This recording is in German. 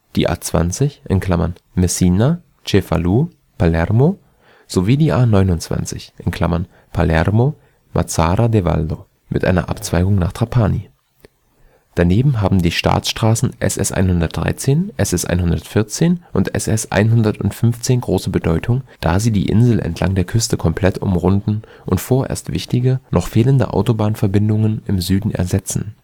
die A20 (Messina-Cefalù-Palermo) sowie die A29 (Palermo-Mazara del Vallo) mit einer Abzweigung nach Trapani. Daneben haben die Staatsstraßen SS 113, SS 114 und SS 115 große Bedeutung, da sie die Insel entlang der Küste komplett umrunden und vorerst wichtige, noch fehlende Autobahn-Verbindungen im Süden ersetzen